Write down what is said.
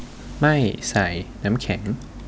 ไม่ใส่น้ำแข็ง